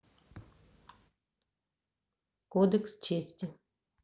кодекс чести